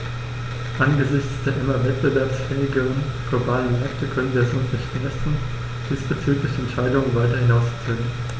Angesichts der immer wettbewerbsfähigeren globalen Märkte können wir es uns nicht leisten, diesbezügliche Entscheidungen weiter hinauszuzögern.